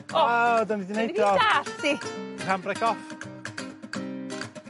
O 'dan ni 'di neud o. dwi'n dallt di. Handbrake off.